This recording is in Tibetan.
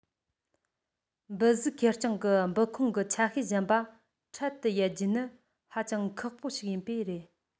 འབུ གཟུགས ཁེར རྐྱང གི འབུ ཁུང གི ཆ ཤས གཞན པ འཕྲལ དུ ཡལ རྒྱུ ནི ཧ ཅང ཁག པོ ཞིག ཡིན པས རེད